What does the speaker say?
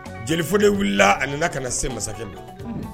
Jeli fɔlɔ de wulila ani nana ka na se masakɛ na